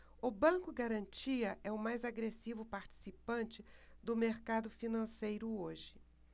o banco garantia é o mais agressivo participante do mercado financeiro hoje